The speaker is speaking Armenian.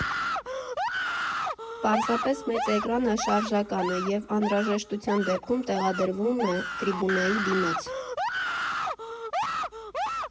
Պարզապես մեծ էկրանը շարժական է, և անհրաժեշտության դեպքում տեղադրվում է տրիբունայի դիմաց։